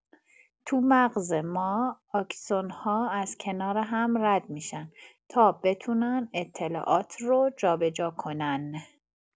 تو مغز ما اکسون‌ها از کنار هم رد می‌شن تا بتونن اطلاعات رو جا به جا کنن.